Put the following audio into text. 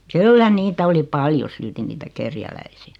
kyllä niitä oli paljon silti niitä kerjäläisiä